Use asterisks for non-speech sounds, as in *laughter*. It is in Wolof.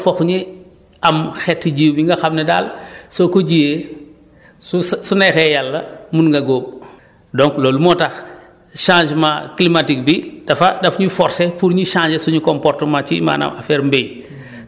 donc foofu ñi am xeeti jiw bi nga xam ne daal *breath* soo ko jiyee su su neexee yàlla mun nga góob donc loolu moo tax changement climatique bi dafa daf ñuy forcé pour ñuy changer suñu comportement ci maanaam affaire mbéy